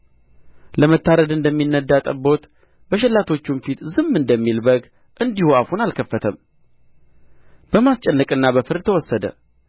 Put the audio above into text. ለመታረድ እንደሚነዳ ጠቦት በሸላቶቹም ፊት ዝም እንደሚል በግ እንዲሁ አፉን አልከፈተም በማስጨነቅና በፍርድ ተወሰደ